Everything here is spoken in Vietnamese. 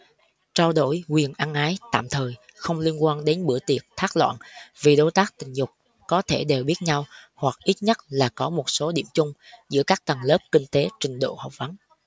trao đổi quyền ân ái tạm thời không liên quan đến bữa tiệc thác loạn vì đối tác tình dục có thể đều biết nhau hoặc ít nhất là có một số điểm chung giữa các tầng lớp kinh tế trình độ học vấn